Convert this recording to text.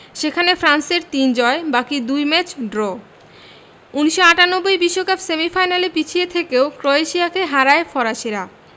সেখানে ফ্রান্সের তিন জয় বাকি দুই ম্যাচ ড্র ১৯৯৮ বিশ্বকাপ সেমিফাইনালে পিছিয়ে থেকেও ক্রোয়েশিয়াকে হারায় ফরাসিরা